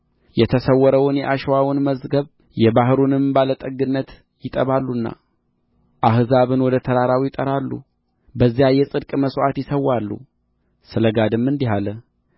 የተሰወረውን የአሸዋውን መዝገብ የባሕሩንም ባለጠግነት ይጠባሉና አሕዛብን ወደ ተራራው ይጠራሉ በዚያ የጽድቅ መሥዋዕት ይሠዋሉ ስለ ጋድም እንዲህ አለ